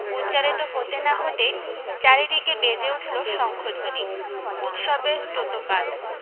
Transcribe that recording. উচ্চারিত হতে না হতেই চারিদিকে বেজে উঠল শঙ্খধ্বনি উৎসবের স্তোত্রপাঠ